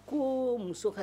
Ko muso ka